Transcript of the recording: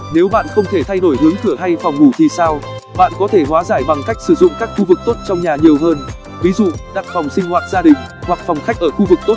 nếu bạn không thể thay đổi hướng cửa hay phòng ngủ thì sao bạn có thể hóa giải bằng cách sử dụng các khu vực tốt trong nhà nhiều hơn ví dụ đặt phòng sinh hoạt gia đình hoặc phòng khách ở khu vực tốt